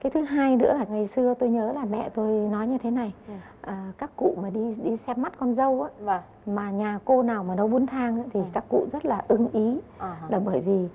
cái thứ hai nữa là ngày xưa tôi nhớ là mẹ tôi nói như thế này à các cụ mà đi đi xem mắt con dâu á mà nhà cô nào mà nấu bún thang thì các cụ rất là ưng ý bởi vì